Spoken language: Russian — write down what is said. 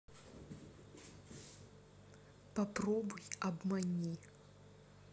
попробуй обмани